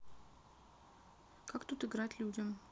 как тут играть людям